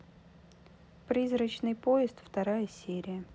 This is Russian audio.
призрачный поезд вторая серия